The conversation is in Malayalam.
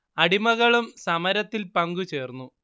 അടിമകളും സമരത്തിൽ പങ്കു ചേർന്നു